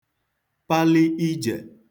pali ije